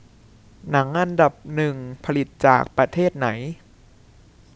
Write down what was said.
หนังอันดับหนึ่งผลิตจากประเทศไหน